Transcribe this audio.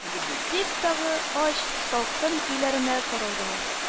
– дип, тагы ач, салкын өйләренә таралдылар